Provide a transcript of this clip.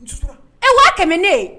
E waati kɛmɛ ne ye